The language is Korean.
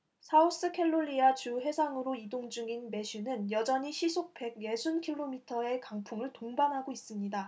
사우스캐롤리아 주 해상으로 이동 중인 매슈는 여전히 시속 백 예순 킬로미터의 강풍을 동반하고 있습니다